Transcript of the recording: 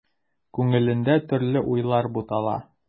Күңелендә төрле уйлар бутала.